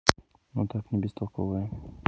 ну так не бестолковая